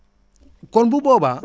kon bu boobaa